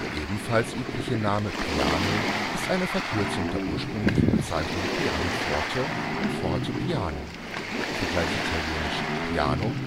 ebenfalls übliche Name Piano ist eine Verkürzung der ursprünglichen Bezeichnungen „ Pianoforte “und „ Fortepiano “(v. ital. piano